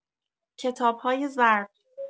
کتاب‌های زرد